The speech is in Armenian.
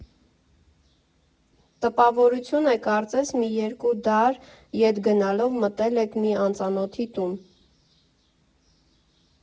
Տպավորություն է կարծես մի երկու դար ետ գնալով մտել եք մի անծանոթի տուն։